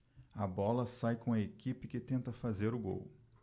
a bola sai com a equipe que tenta fazer o gol